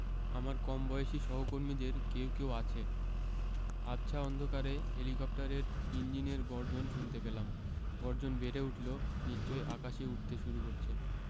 আমার কমবয়সী সহকর্মীদের কেউ কেউ আছে আবছা অন্ধকারে হেলিকপ্টারের ইঞ্জিনের গর্জন শুনতে পেলাম গর্জন বেড়ে উঠলো নিশ্চয়ই আকাশে উড়তে শুরু করছে